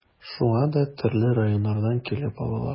Шуңа да төрле районнардан килеп алалар.